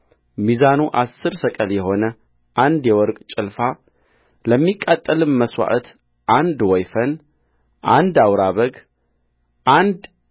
ሚዛኑ አሥር ሰቅል የሆነ አንድ የወርቅ ጭልፋለሚቃጠልም መሥዋዕት አንድ ወይፈን አንድ አውራ በግ አንድ